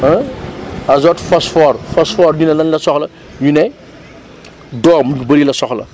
ah azote phosphore phosphore ñu ne lan la soxla ñu ne doom yu bëri la soxla